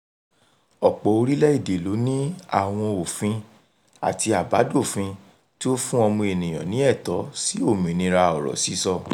Ọ̀pọ̀ orílẹ̀-èdè ló ní àwọn òfin àti àbádòfin tí ó fún ọmọ ènìyàn ní ẹ̀tọ́ sí òmìnira ọ̀rọ̀ sísọ.